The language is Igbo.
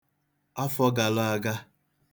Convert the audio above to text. afọ gālụ̄ āgā